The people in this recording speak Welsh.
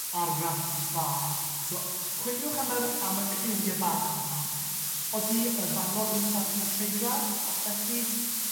Argraff dda. So chwiliwch am yr am y cliwie bach yma. Odi yr fannod yn sbarduno treiglad? Os felly